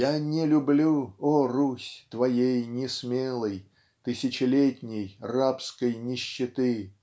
Я не люблю, о Русь, твоей несмелой Тысячелетней, рабской нищеты.